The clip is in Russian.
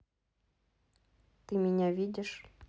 ты меня видишь